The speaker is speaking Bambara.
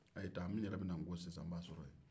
aw ye taa n yɛrɛ bɛ na n ko sisan a b'aw sɔrɔ ye